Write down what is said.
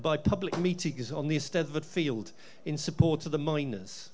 by public meetings on the Eisteddfod field in support of the miners.